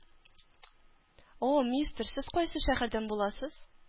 О, мистер, сез кайсы шәһәрдән буласыз?